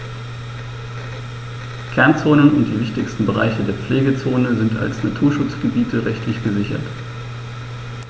Kernzonen und die wichtigsten Bereiche der Pflegezone sind als Naturschutzgebiete rechtlich gesichert.